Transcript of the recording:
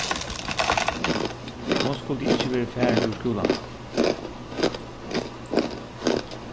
hon skuldi ikki verið farin úr skúlanum